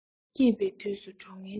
སྐྱིད པའི དུས སུ གྲོགས ངན འཕྲད